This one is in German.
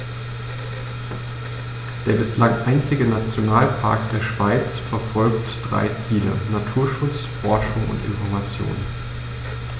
Der bislang einzige Nationalpark der Schweiz verfolgt drei Ziele: Naturschutz, Forschung und Information.